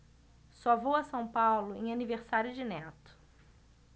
só vou a são paulo em aniversário de neto